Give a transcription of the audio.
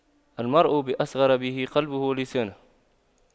المرء بأصغريه قلبه ولسانه